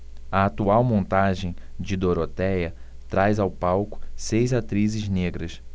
a atual montagem de dorotéia traz ao palco seis atrizes negras